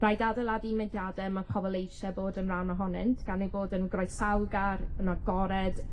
Rhaid adeiladu mudiade ma' pobol eisie bod yn rhan ohonynt, gan eu bod yn groesawgar, yn agored,